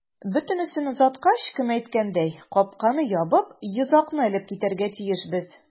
Бөтенесен озаткач, кем әйткәндәй, капканы ябып, йозакны элеп китәргә тиешбез.